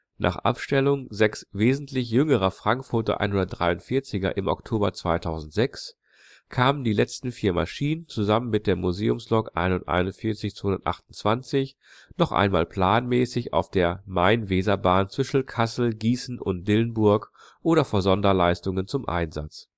Nach Abstellung sechs wesentlich jüngerer Frankfurter 143er im Oktober 2006 kamen die letzten vier Maschinen zusammen mit der Museumslok 141 228 noch einmal planmäßig auf der Main-Weser-Bahn zwischen Kassel, Gießen und Dillenburg oder vor Sonderleistungen zum Einsatz